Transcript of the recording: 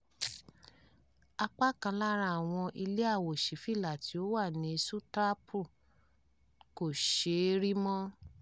Apá kan lára àwọn ilé àwòṣífìlà tí ó wà ní Sutrapur kò ṣe é rí mọ́n.